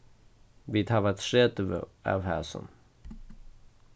vit hava tretivu av hasum